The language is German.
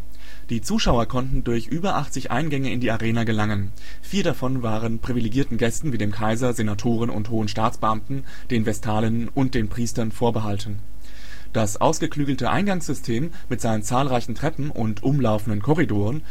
Zuschauer konnten durch über 80 Eingänge in die Arena gelangen. Vier davon waren privilegierten Gästen wie dem Kaiser, Senatoren und hohen Staatsbeamten, den Vestalinnen und den Priestern vorbehalten. Das ausgeklügelte Eingangssystem mit seinen zahlreichen Treppen und umlaufenden Korridoren